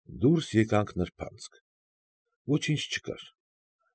Դուրս եկանք նրբանցք։ Ոչինչ չկար։